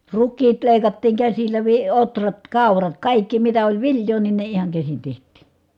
rukiit leikattiin käsillä - ohrat kaurat kaikki mitä oli viljaa niin ne ihan käsin tehtiin